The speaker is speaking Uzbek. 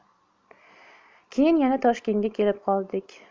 keyin yana toshkentga kelib qoldik